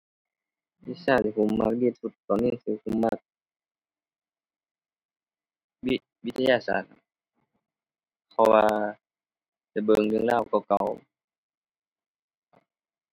วิชาที่ผมมักที่สุดตอนเรียนหนังสือผมมัก วิด วิทยาศาสตร์ เพราะว่าได้เบิ่งเวลาเก่าเก่า